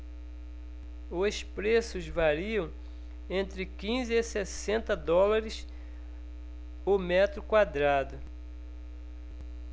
os preços variam entre quinze e sessenta dólares o metro quadrado